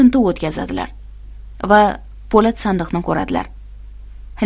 tintuv o'tkazadilar va po'lat sandiqni ko'radilar